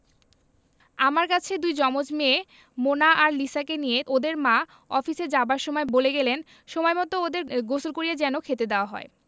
আমার কাছে দুই জমজ মেয়ে মোনা আর লিসাকে নিয়ে ওদের মা অফিসে যাবার সময় বলে গেলেন সময়মত ওদের গোসল করিয়ে যেন খেতে দেওয়া হয়